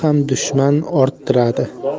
ham dushman orttiradi